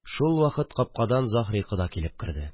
Шулвакыт капкадан Заһри кода килеп керде